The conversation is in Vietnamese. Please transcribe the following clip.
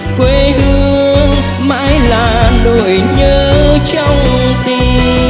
quê hương mãi là nỗi nhớ trong tim